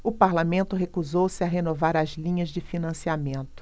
o parlamento recusou-se a renovar as linhas de financiamento